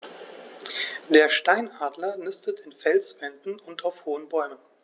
Der Steinadler nistet in Felswänden und auf hohen Bäumen.